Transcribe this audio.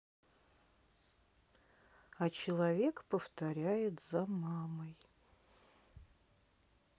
а человек повторяет за мамой